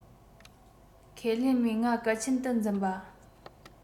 ཁས ལེན མོས ང གལ ཆེན དུ འཛིན པ